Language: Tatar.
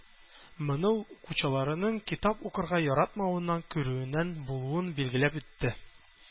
Моны ул укучыларның китап укырга яратмавыннан күрүеннән булуын билгеләп үтте.